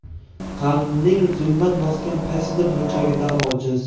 qalbimning zulmat bosgan qaysidir burchagida ojiz